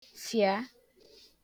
fịa